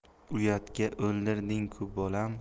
uyatga o'ldirding ku bolam